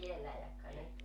ei vielä jahka ne